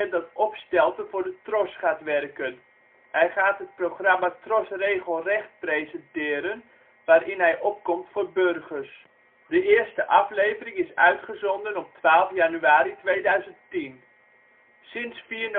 dat Opstelten voor de TROS gaat werken. Hij gaat het programma TROS RegelRecht presenteren waarin hij opkomt voor burgers. De eerste aflevering is uitgezonden op 12 januari 2010. Sinds 4 november